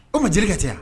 O ma jelikɛ ka caya yan